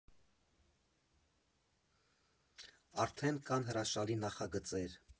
Արդեն կան հրաշալի նախագծեր։